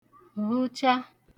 vhụcha